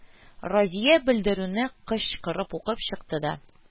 Разия белдерүне кычкырып укып чыкты да: